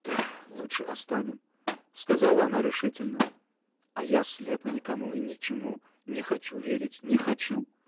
— Да, лучше оставим, — сказала и она решительно, — а я слепо никому и ничему не хочу верить, не хочу!